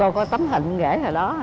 cô có tấm hình con rể hồi đó